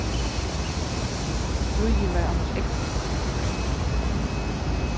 stríðið var annars ógvusligt